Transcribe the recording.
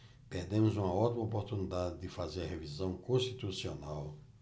perdemos uma ótima oportunidade de fazer a revisão constitucional